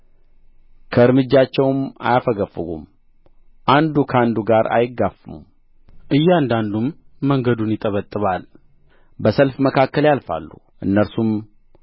ከእርምጃቸውም አያፈገፍጉም አንዱ ካንዱ ጋር አይጋፉም እያንዳንዱም መንገዱን ይጠበጥባል በሰልፍ መካከል ያልፋሉ እነርሱም